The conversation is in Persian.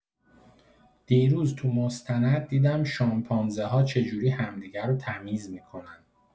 دیروز تو مستند دیدم شامپانزه‌ها چجوری همدیگه رو تمیز می‌کنن.